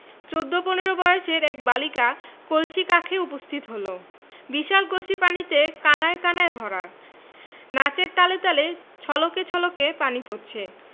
চৌদ্দ পনেরো বয়সের এক বালিকা কলসি কাঁখে উপস্থিত হল বিশাল কলসি পানিতে কানায় কানায় ভরা নাচের তালে তালে ছলকে ছলকে পানি পড়ছে